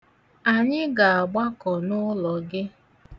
Anyị ga-agbakọ n'ụlọ gị.